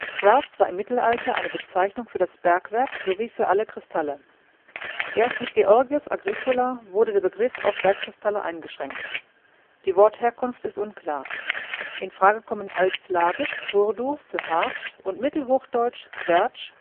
Quarz war im Mittelalter eine Bezeichnung für das Bergwerk sowie für alle Kristalle. Erst mit Georgius Agricola wurde der Begriff auf Bergkristalle eingeschränkt. Die Wortherkunft ist unklar. In Frage kommen altslawisch tvurdu für „ hart “und mittelhochdeutsch querch